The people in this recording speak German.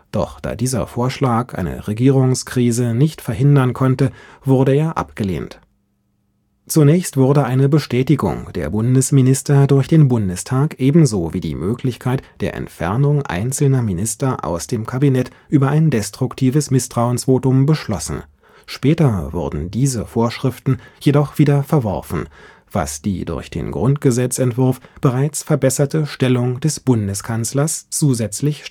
doch da dieser Vorschlag eine Regierungskrise nicht verhindern konnte, wurde er abgelehnt. Zunächst wurde eine Bestätigung der Bundesminister durch den Bundestag ebenso wie die Möglichkeit der Entfernung einzelner Minister aus dem Kabinett über ein destruktives Misstrauensvotum beschlossen; später wurden diese Vorschriften jedoch wieder verworfen, was die durch den Grundgesetzentwurf bereits verbesserte Stellung des Bundeskanzlers zusätzlich